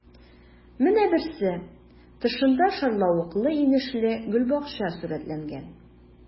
Менә берсе: тышында шарлавыклы-инешле гөлбакча сурәтләнгән.